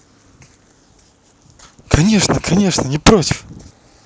конечно конечно не против